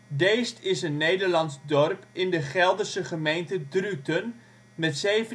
Deest is een Nederlands dorp in de Gelderse gemeente Druten met 1765